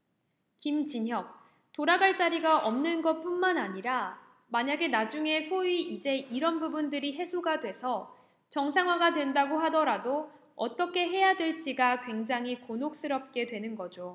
김진혁 돌아갈 자리가 없는 것뿐만 아니라 만약에 나중에 소위 이제 이런 부분들이 해소가 돼서 정상화가 된다고 하더라도 어떻게 해야 될지가 굉장히 곤혹스럽게 되는 거죠